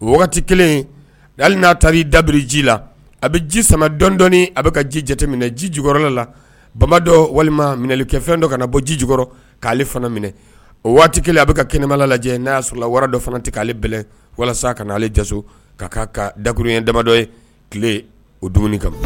O waati kelen hali n aa taara i dabiri ji la a bɛ ji sama dɔndɔɔni a bɛ ka ji jateminɛ ji jukɔrɔ la babadɔ walima minɛnli kɛfɛn dɔ ka na bɔ ji jukɔrɔ k'ale fana minɛ o waati kelen a bɛ ka kɛnɛma lajɛ n'a yaa sɔrɔ wara dɔ fana tɛ k'ale bɛn walasa a kaale ja ka ka ka dakkuruurunɲɛ dabadɔ ye tile o dumuni kama